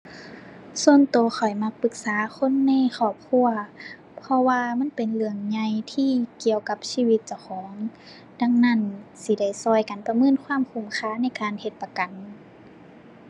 ส่วนตัวข้อยมักปรึกษาคนในครอบครัว เพราะว่ามันเป็นเรื่องใหญ่ที่เกี่ยวกับชีวิตของเจ้าของ ดังนั้น สิได้ตัวกันประเมินความคุ้มค่าในการเฮ็ดประกัน